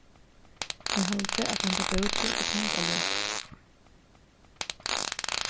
eg haldi at henda bókin er tung at lesa